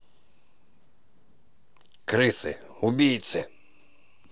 крысы убийцы